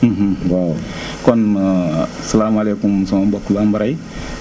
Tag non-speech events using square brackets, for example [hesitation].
[hesitation] [hesitation] waaw kon [hesitation] salaamualeykum sama mbokki bambara yi [noise]